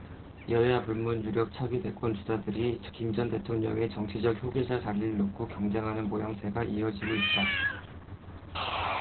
여야 불문 유력 차기 대권주자들이 김 전 대통령의 정치적 후계자 자리를 놓고 경쟁하는 모양새가 이어지고 있다